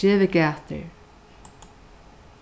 gevið gætur